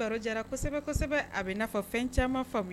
Baro jara kosɛbɛ kosɛbɛ a bɛ n'a fɔ fɛn caman faamu